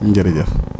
jërëjëf